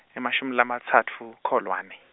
emashumi lamatsatfu, Kholwane.